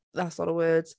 That's not a word.